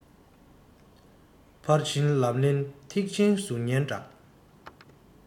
ཕར ཕྱིན ཉམས ལེན ཐེག ཆེན གཟུགས བརྙན འདྲ